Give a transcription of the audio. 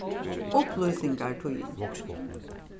upplýsingartíðin